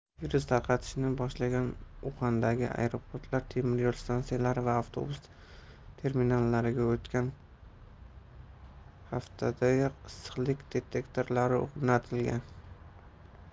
virus tarqalishni boshlagan uxandagi aeroportlar temiryo'l stantsiyalari va avtobus terminallariga o'tgan haftadayoq issiqlik detektorlari o'rnatilgan